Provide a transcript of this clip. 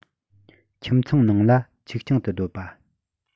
ཁྱིམ ཚང ནང ལ ཆིག རྐྱང དུ སྡོད པ